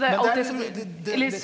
men det er det.